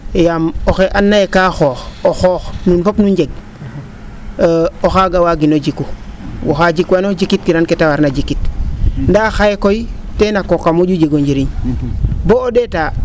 yaam axe andoona yee kaa xoox o xoox nuun fop nu njeg o xaaga waagino jeku oxa jikwano jikit kiran kee ta warna jikit ndaa xaye koy teen a qooq a mo?u jeg o njiriñ boo o ?eeta